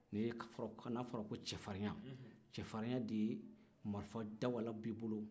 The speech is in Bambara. n'a fɔra ko cɛfarinya cɛfarinya de ye marimafadawala b'i bolo